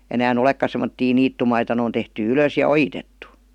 enää olekaan semmoisia niittymaita ne on tehty ylös ja ojitettu